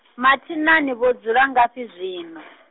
mathina ni vho dzula ngafhi zwino?